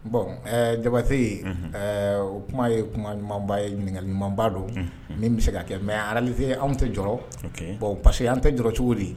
Bon jabase o kuma ye kuma ɲuman ye ɲininkali ɲumanba don min bɛ se ka kɛ mɛ araalise anw tɛ jɔ bon parce que an tɛ jɔ cogo di ye